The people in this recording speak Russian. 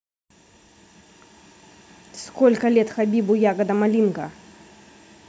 сколько лет хабибу ягода малинка